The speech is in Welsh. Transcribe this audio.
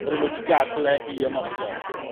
Bydde n'w 'di gadal e i ymosod.